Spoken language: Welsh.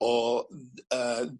o yy